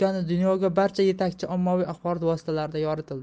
dunyodagi barcha yetakchi ommaviy axborot vositalarida yoritildi